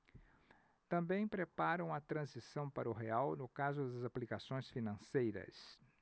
também preparam a transição para o real no caso das aplicações financeiras